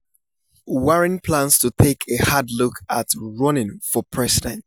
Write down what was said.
Warren plans to take a 'hard look' at running for president